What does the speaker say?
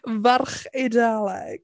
Farch Eidaleg.